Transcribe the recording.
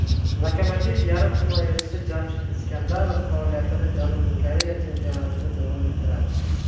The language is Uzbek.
lokomotiv yarim himoyachisi jamshid iskandarov faoliyatini janubiy koreya chempionatida davom ettiradi